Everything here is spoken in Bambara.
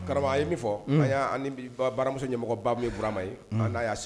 Kara a ye min fɔ a y' bi baramuso ɲɛmɔgɔbamuurama ye a''a sigi